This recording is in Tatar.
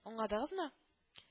Аңладыгызмы